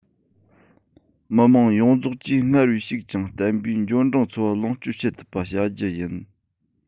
མི དམངས ཡོངས རྫོགས གྱིས སྔར བས ཕྱུག ཅིང བརྟན པའི འབྱོར འབྲིང འཚོ བ ལོངས སྤྱོད བྱེད ཐུབ པ བྱ རྒྱུ ཡིན